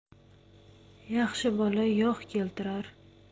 yaxshi bola yog' keltirar